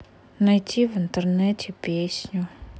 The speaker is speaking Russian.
найти в интернете песню